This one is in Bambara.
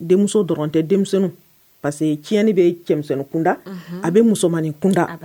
Denmuso dɔrɔn tɛ denmisɛnnin parce que tiɲɛni bɛ cɛmisɛn kunda a bɛ musomanmaninin kunda